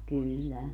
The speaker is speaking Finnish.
kyllä